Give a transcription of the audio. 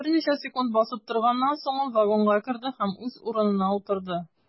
Берничә секунд басып торганнан соң, ул вагонга керде һәм үз урынына утырды.